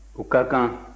o ka kan